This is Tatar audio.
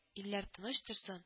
Илләр тыныч торсын